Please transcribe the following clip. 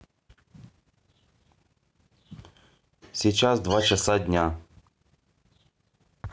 сейчас два часа дня